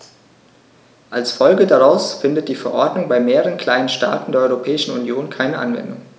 Als Folge daraus findet die Verordnung bei mehreren kleinen Staaten der Europäischen Union keine Anwendung.